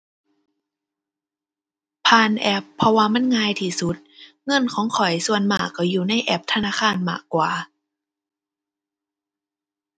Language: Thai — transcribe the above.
ผ่านแอป เพราะว่ามันง่ายที่สุด เงินของข้อยส่วนมากก็อยู่ในแอปธนาคารมากกว่า